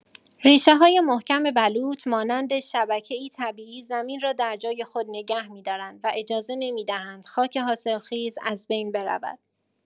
ریشه‌های محکم بلوط مانند شبکه‌ای طبیعی زمین را در جای خود نگه می‌دارند و اجازه نمی‌دهند خاک حاصلخیز از بین برود.